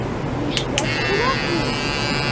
Нишләп кулак булыйк?